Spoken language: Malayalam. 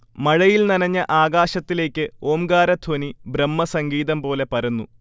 മഴയിൽ നനഞ്ഞ ആകാശത്തിലേക്ക് ഓംകാരധ്വനി ബ്രഹ്മസംഗീതംപോലെ പരന്നു